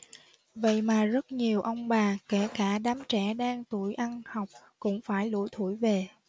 vậy mà rất nhiều ông bà kể cả đám trẻ đang tuổi ăn học cũng phải lủi thủi về